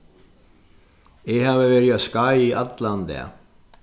eg havi verið á skeið í allan dag